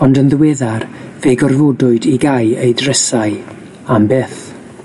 ond yn ddiweddar fe gorfodwyd i gau eu drysau am byth.